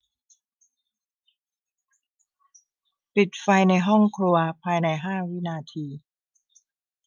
ปิดไฟในห้องครัวภายในห้าวินาที